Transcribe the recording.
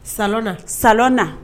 Salon salonna